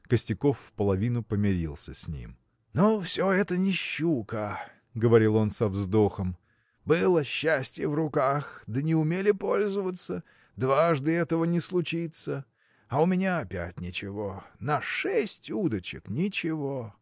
Костяков вполовину помирился с ним. – Но все это не щука! – говорил он со вздохом – было счастье в руках да не умели пользоваться дважды этого не случится! А у меня опять ничего! на шесть удочек – ничего.